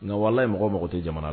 Nka wala ye mɔgɔ mago tɛ jamana